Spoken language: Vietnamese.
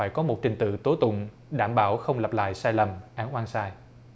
phải có một trình tự tố tụng đảm bảo không lặp lại sai lầm án oan sai